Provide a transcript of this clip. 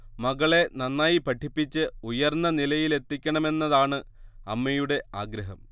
മകളെ നന്നായി പഠിപ്പിച്ച് ഉയർന്ന നിലയിലെത്തിക്കണമെന്നതാണ് അമ്മയുടെ ആഗ്രഹം